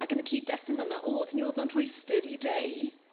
ac yn y cyd destun yno o'dd mi o'dd o'n rhwystyr i rei.